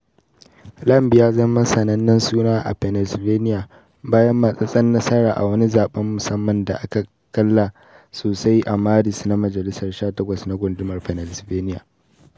Lamb ya zama sanannen suna a Pennsylvania bayan matsatsen nasara a wani zaben mussamman da aka kalla sosai a Maris na Majalisar 18 na Gundumar Pennsylvania.